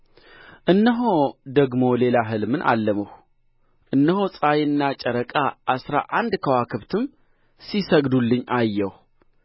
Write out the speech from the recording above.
እነሆ ደግሞ ሌላ ሕልምን አለምሁ እነሆ ፀሐይና ጨረቃ አሥራ አንድ ከዋክብትም ሲሰግዱልኝ አየሁ